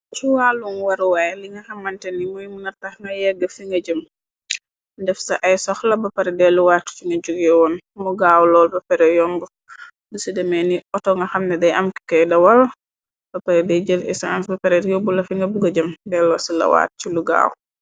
Ci wàllun waruwaay li nga xamante ni muoy mëna tax nga yegg fi nga jëm, def sa ay soxla, ba paradelu wàtt ci nga jógewoon, mo gaaw lool ba pare yomb. du ci demee ni oto nga xamne day amkikoy da wal, ba paradey jël esence ba parete yóbbu la fi nga buga jëm, delloo ci la waat ci lu gaaw.